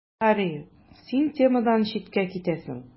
Гарри: Син темадан читкә китәсең.